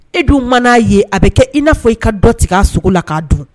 E dun mana n'a ye a bɛ kɛ i n'a fɔ i ka dɔ tigɛ k' a sogo la k'a dun